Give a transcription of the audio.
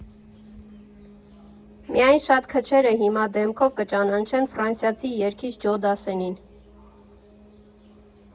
Միայն շատ քչերը հիմա դեմքով կճանաչեն ֆրանսիացի երգիչ Ջո Դասսենին։